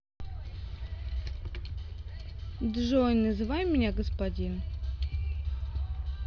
джой называй меня господин